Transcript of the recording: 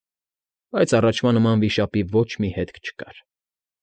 Բայց առաջվա նման վիշապի ոչ մի հետք չկար։